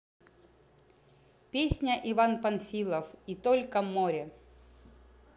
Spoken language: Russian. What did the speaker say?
песня иван панфилов и только море